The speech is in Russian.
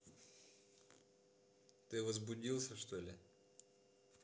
ты возбудился что ли